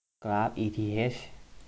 กราฟอีทีเฮช